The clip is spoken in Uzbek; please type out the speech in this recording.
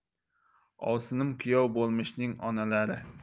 ovsinim kuyov bo'lmishning onalari